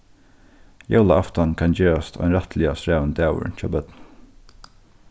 jólaaftan kann gerast ein rættiliga strævin dagur hjá børnum